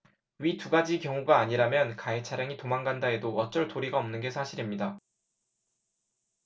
위 두 가지 경우가 아니라면 가해차량이 도망간다 해도 어쩔 도리가 없는 게 사실입니다